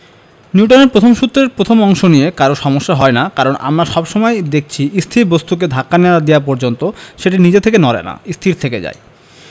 নিউটনের প্রথম সূত্রের প্রথম অংশ নিয়ে কারো সমস্যা হয় না কারণ আমরা সব সময়ই দেখেছি স্থির বস্তুকে ধাক্কা না দেওয়া পর্যন্ত সেটা নিজে থেকে নড়ে না স্থির থেকে যায়